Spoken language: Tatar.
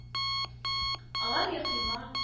Алар йә койма